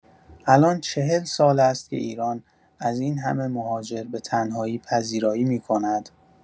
الان ۴۰ سال است که ایران از این همه مهاجر به‌تنهایی پذیرایی می‌کند.